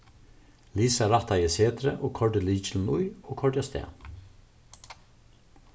lisa rættaði setrið og koyrdi lykilin í og koyrdi avstað